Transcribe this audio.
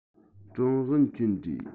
ཀྲང ཝུན ཅུན རེད